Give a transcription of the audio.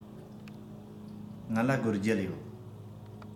ང ལ སྒོར བརྒྱད ཡོད